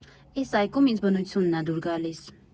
Էս այգում ինձ բնությունն ա դուր գալիս։